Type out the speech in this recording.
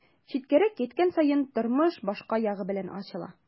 Читкәрәк киткән саен тормыш башка ягы белән дә ачыла.